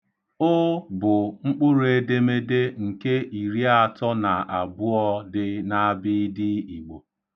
'Ụ' bụ mkpụrụedemede nke iri atọ na abụọ dị n'abịịdịị Igbo.